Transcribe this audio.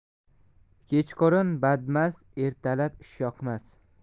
kechqurun badmast ertalab ishyoqmas